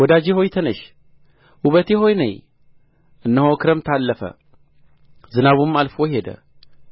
ወዳጄ ሆይ ተነሺ ውበቴ ሆይ ነዪ እነሆ ክረምት አለፈ ዝናቡም አልፎ ሄደ